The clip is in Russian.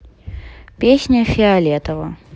песня фиолетово